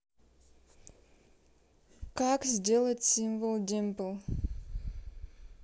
как сделать символ dimple